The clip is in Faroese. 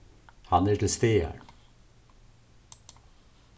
hann er til staðar